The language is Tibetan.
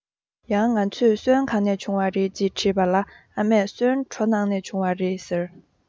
ཡང ང ཚོས སོན གང ནས བྱུང བ རེད ཅེས དྲིས པ ལ ཨ མས སོན གྲོ ནས བྱུང བ རེད ཟེར